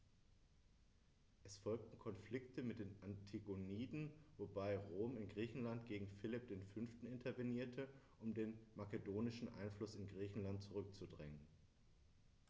Es folgten Konflikte mit den Antigoniden, wobei Rom in Griechenland gegen Philipp V. intervenierte, um den makedonischen Einfluss in Griechenland zurückzudrängen.